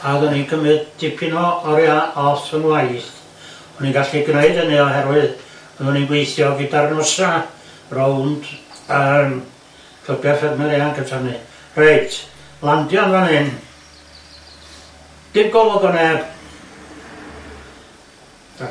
a oeddwn i'n cymyd dipyn o oriau off fy waith o'n i'n gallu gneud hynny oherwydd fyddwn i'n gweihio gyda'r nosa rownd yym clybia Ffermwyr Ifanc amsar hynny. Reit landio yn fan 'yn dim golwg o neb.